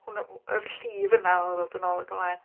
Hwnna. Y llif yna o ddod yn ôl ac ymlaen.